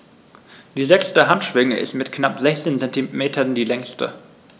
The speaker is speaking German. Die sechste Handschwinge ist mit knapp 60 cm die längste.